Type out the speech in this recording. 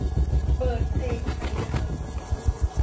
เปิดเพลงไทยเดิม